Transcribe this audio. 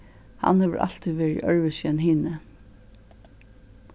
hann hevur altíð verið øðrvísi enn hini